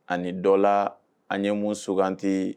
Ani dɔ la, an ye mun sukanti